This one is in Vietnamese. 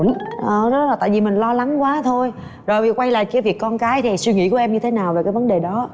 ờ đó là tại vì mình lo lắng quá thôi rồi bây giờ quay lại cái việc con gái thì suy nghĩ của em như thế nào về cái vấn đề đó